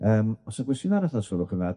Yym, o's 'na gwestiwn arall os gwelwch yn dda?